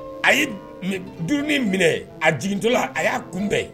A ye du minɛ a jigintɔ la a y'a kunbɛn